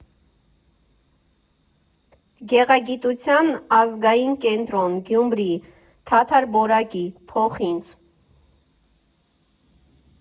Գեղագիտության ազգային կենտրոն, Գյումրի թաթար բորակի, փոխինձ։